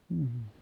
mm